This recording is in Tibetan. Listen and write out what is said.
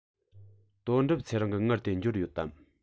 དོན གྲུབ ཚེ རིང གི དངུལ དེ འབྱོར ཡོད དམ